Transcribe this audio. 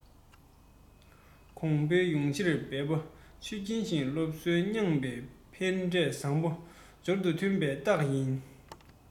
གོང འཕེལ ཡོང ཕྱིར འབད པ ཆེན རྒྱུན རིང སློབ གསོ མྱངས པའི ཕན འབྲས བཟང པོ འབུར དུ ཐོན པའི རྟགས ཡིན